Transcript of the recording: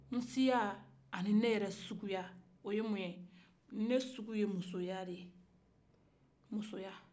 nsiya ani ne yɛrɛ sukuya o ye mun ye ne sukuya o ye muso ya ye